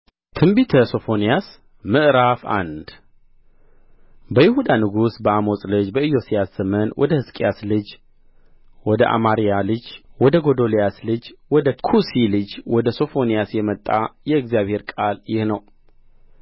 ትንቢተ ሶፎንያስ ምዕራፍ አንድ በይሁዳ ንጉሥ በአሞጽ ልጅ በኢዮስያስ ዘመን ወደ ሕዝቅያስ ልጅ ወደ አማርያ ልጅ ወደ ጎዶልያስ ልጅ ወደ ኵሲ ልጅ ወደ ሶፎንያስ የመጣ የእግዚአብሔር ቃል ይህ ነው